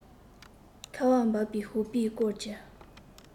ཁ བ བབས པའི ཞོགས པའི སྐོར གྱི